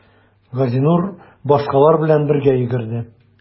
Газинур башкалар белән бергә йөгерде.